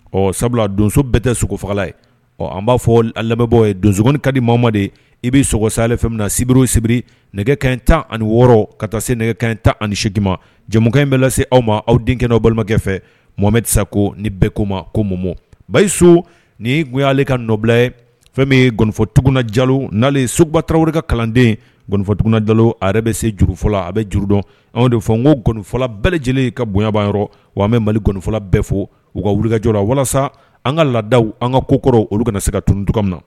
Ɔ sabula donso bɛɛ tɛ sogo faga ye ɔ an b'a fɔ lamɛnbɔ donsogoni ka di mama de i bɛ sɔgɔ sa ale fɛ min na sibiriw sibiri nɛgɛ kɛ in tan ani wɔɔrɔ ka taa se nɛgɛ kɛ in tan ani sekima jɛkan in bɛ lase aw ma aw denkɛ kɛnɛ balimakɛ fɛ mɔgɔmɛ tɛsa ko ni bɛɛ ko ma ko mɔ mɔ bayi so ni gale ka nɔbila ye fɛn bɛ ye gfɔ tugunna jalo n'ale sobataraww ka kalandenfɔt dalo a yɛrɛ bɛ se jurufɔ la a bɛ juru dɔn anw de fɔ ko gfɔla bɛɛ lajɛlen ka bonyaba yɔrɔ wa an bɛ mali gfɔla bɛɛ fɔ u ka wulikajɔ la walasa an ka laadaw an ka ko kɔrɔ olu kana se ka tununtu min na